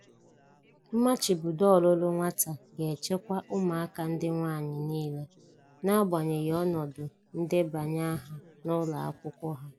Mmachibido ọlụlụ nwata ga-echekwa ụmụaka ndị nwaanyị niile, na-agbanyeghị ọnọdụ ndebanye aha n'ụlọ akwụkwọ ha.